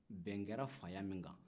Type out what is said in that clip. bɛn kɛra faya min kan